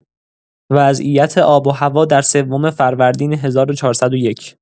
وضعیت آب و هوا در سوم فروردین ۱۴۰۱